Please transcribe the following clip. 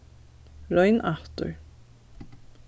royn aftur